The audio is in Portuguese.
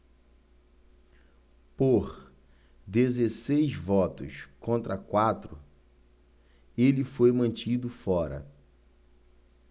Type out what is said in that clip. por dezesseis votos contra quatro ele foi mantido fora